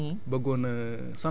ñu ñu ñu ñu xam ne rek